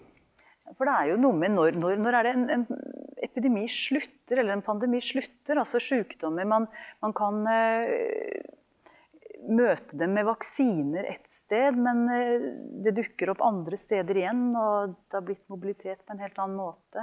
for det er jo noe med når når når er det en en epidemi slutter eller en pandemi slutter, altså sjukdommer man man kan møte dem med vaksiner et sted, men det dukker opp andre steder igjen og det har blitt mobilitet på en helt annen måte.